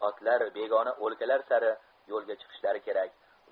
otlar begona o'lkalar sari yo'lga chiqishlari kerak